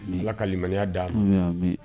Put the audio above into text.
La kalilimaya da bi